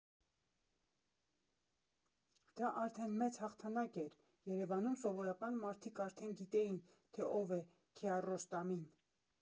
Դա արդեն մեծ հաղթանակ էր, Երևանում սովորական մարդիկ արդեն գիտեին, թե ով է Քիառոստամին։